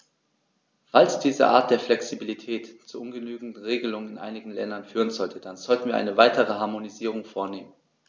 Falls diese Art der Flexibilität zu ungenügenden Regelungen in einigen Ländern führen sollte, dann sollten wir eine weitere Harmonisierung vornehmen.